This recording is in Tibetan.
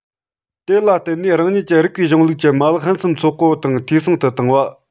དེ ལ བརྟེན ནས རང ཉིད ཀྱི རིགས པའི གཞུང ལུགས ཀྱི མ ལག ཕུན སུམ ཚོགས པོ དང འཐུས ཚང དུ བཏང བ